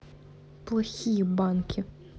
плохие банки